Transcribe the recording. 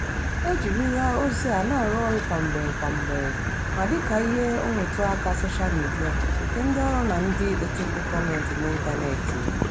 E jirila ozi a na-arụ ọrụ kwamgbe kwamgbe, ma dịka ihe nrụtụaka sosha midia, nke ndị ọrụ na ndị otimkpu gọọmentị n'ịntanetị,